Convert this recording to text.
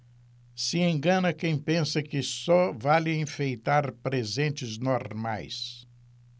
se engana quem pensa que só vale enfeitar presentes normais